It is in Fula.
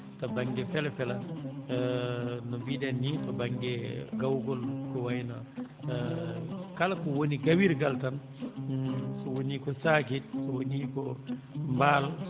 to baŋnge fela fela no mbiɗenni to baŋnge gawgol ko wayi no kala ko woni gawirgal tan so wonii ko sakiri so wonii ko mbaal